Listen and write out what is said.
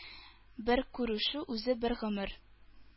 Бер күрешү үзе бер гомер.